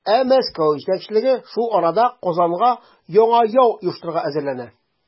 Ә Мәскәү җитәкчелеге шул арада Казанга яңа яу оештырырга әзерләнә.